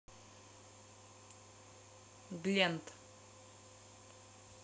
глент